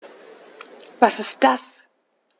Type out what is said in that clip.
Was ist das?